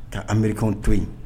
Ka anmeri to yen